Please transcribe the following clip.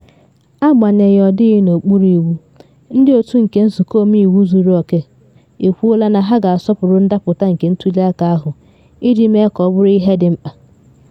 Agbanyeghị ọdịghị n’okpuru iwu, ndị otu nke nzụkọ ọmeiwu zuru oke ekwuola na ha ga-asọpụrụ ndapụta nke ntuli aka ahụ iji mee ka ọ bụrụ ihe dị mkpa.